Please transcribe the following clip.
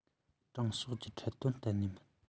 དྲང ཕྱོགས ཀྱི ཁྲིད སྟོན གཏན ནས མིན